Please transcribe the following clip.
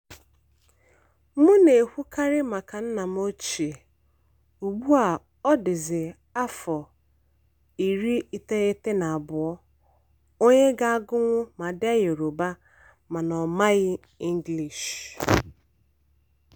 Mụ na-ekwukarị maka nna m ochie (ugbua ọ dị 92) onye ga-agụnwu ma dee Yoroba mana ọ maghị English.